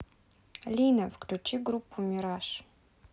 лина включи группу мираж